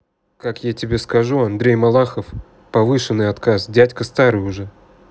как я тебе скажу андрей малахов повышенный отказы дядька старый уже